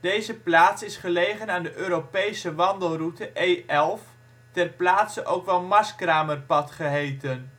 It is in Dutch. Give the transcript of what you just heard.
Deze plaats is gelegen aan de Europese wandelroute E11, ter plaatse ook wel Marskramerpad geheten.